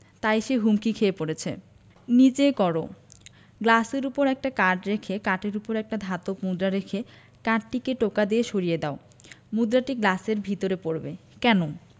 তাই সে হুমকি খেয়ে পড়েছে নিজে কর গ্লাসের উপর একটা কার্ড রেখে কার্ডের উপর একটা ধাতব মুদ্রা রেখে কার্ডটিকে টোকা দিয়ে সরিয়ে দাও মুদ্রাটি গ্লাসের ভিতর পড়বে কেন